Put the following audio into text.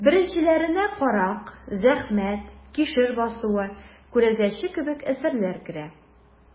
Беренчеләренә «Карак», «Зәхмәт», «Кишер басуы», «Күрәзәче» кебек әсәрләр керә.